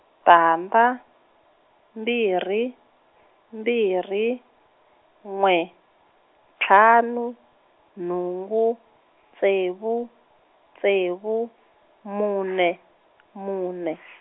tandza, mbirhi, mbirhi, n'we, ntlhanu, nhungu, ntsevu, ntsevu, mune, mune.